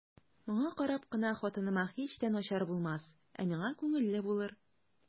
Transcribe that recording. Моңа карап кына хатыныма һич тә начар булмас, ә миңа күңелле булыр.